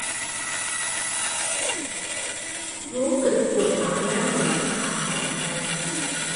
รู้สึกปวดหลังแล้วเหมือนจะขาอ่อนแรง